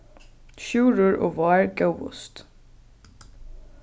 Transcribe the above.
sjúrður og vár góvust